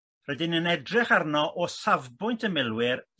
Rydyn yn edrych arno o safbwynt y milwyr sydd allan o'r siot